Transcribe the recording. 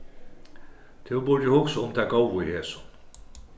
tú burdi hugsað um tað góða í hesum